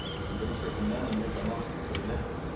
Берничә көннән инде тәмам терелеп